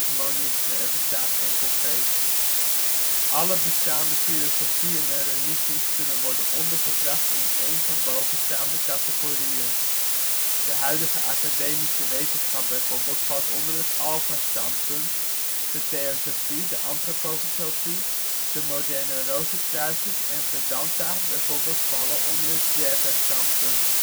Monisme (er bestaat enkel geest) Alle bestaande filosofieën en religies kunnen worden ondergebracht in een van bovenstaande categorieën. De huidige academische wetenschap bijvoorbeeld valt onder het alfa-standpunt. De theosofie, de antroposofie, de moderne Rozenkruisers en de Vedanta bijvoorbeeld vallen onder het zèta-standpunt